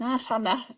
Na rhanna. Rhanna...